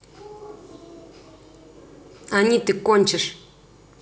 они ты кончишь